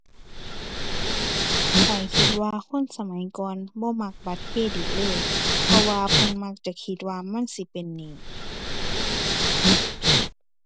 ข้อยคิดว่าคนสมัยก่อนบ่มักบัตรเครดิตเลย เพราะว่าเพิ่นมักจะคิดว่ามันสิเป็นหนี้